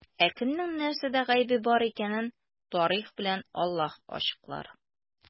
Ә кемнең нәрсәдә гаебе бар икәнен тарих белән Аллаһ ачыклар.